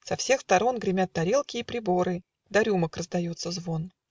Со всех сторон Гремят тарелки и приборы Да рюмок раздается звон.